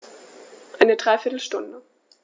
Eine dreiviertel Stunde